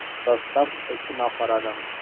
Состав очына карадым.